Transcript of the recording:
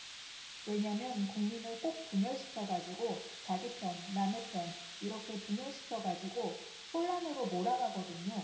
왜냐면 국민을 꼭 분열시켜가지고 자기 편 남의 편 이렇게 분열시켜가지고 혼란으로 몰아가거든요